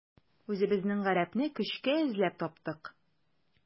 Үзебезнең гарәпне көчкә эзләп таптык.